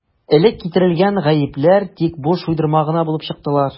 Элек китерелгән «гаепләр» тик буш уйдырма гына булып чыктылар.